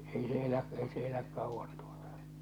ei se elä ei se elä kauan tuota